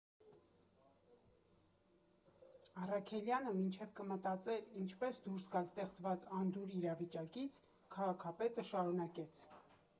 Առաքելյանը մինչև կմտածեր ինչպես դուրս գալ ստեղծված անդուր իրավիճակից, քաղաքապետը շարունակեց.